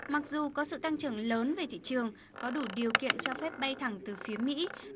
mặc dù có sự tăng trưởng lớn về thị trường có đủ điều kiện cho phép bay thẳng từ phía mỹ